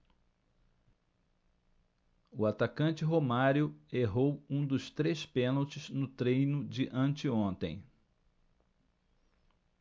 o atacante romário errou um dos três pênaltis no treino de anteontem